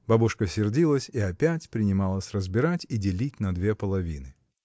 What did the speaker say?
Бабушка сердилась и опять принималась разбирать и делить на две половины.